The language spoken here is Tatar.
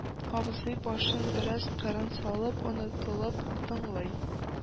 Абзый, башын бераз кырын салып, онытылып тыңлый